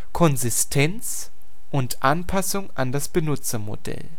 Konsistenz, Anpassung an das Benutzermodell